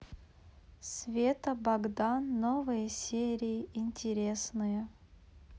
света богдан новые серии интересные